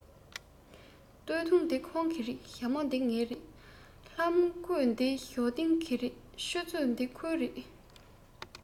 སྟོད ཐུང འདི ཁོང གི རེད ཞྭ མོ འདི ངའི རེད ལྷམ གོག འདི ཞའོ ཏིང གི རེད ཆུ ཚོད འདི ཁོའི རེད